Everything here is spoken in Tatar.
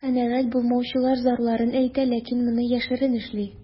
Канәгать булмаучылар зарларын әйтә, ләкин моны яшерен эшли.